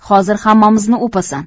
hozir hammamizni o'pasan